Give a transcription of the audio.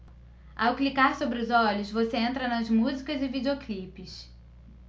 ao clicar sobre os olhos você entra nas músicas e videoclipes